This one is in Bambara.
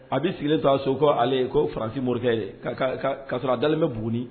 A bɛ sigilen ale ko Faransi morikɛ ye kasɔrɔ a dalenbɛ Buguni.